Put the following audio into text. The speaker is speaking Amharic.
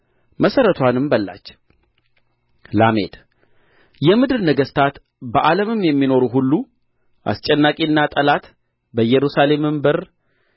መሠረትዋንም በላች ላሜድ የምድር ነገሥታት በዓለምም የሚኖሩ ሁሉ አስጨናቂና ጠላት በኢየሩሳሌም በር